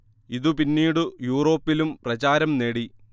ഇതു പിന്നീടു യൂറോപ്പിലും പ്രചാരം നേടി